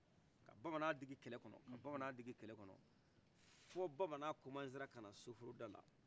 ka bamana digi kɛlɛ kɔnɔ ka bamana digi kɛlɛ kɔnɔ fo bamanan comansera kana so foro dala